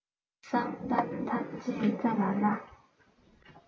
གསང གཏམ ཐམས ཅད ཙ ར ར